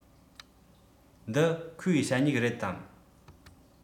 འདི ཁོའི ཞ སྨྱུག རེད དམ